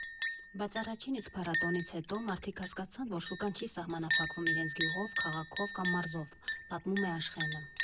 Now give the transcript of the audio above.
Բայց առաջին իսկ փառատոնից հետո մարդիկ հասկացան, որ շուկան չի սահմանափակվում իրենց գյուղով, քաղաքով կամ մարզով»,֊պատմում է Աշխենը։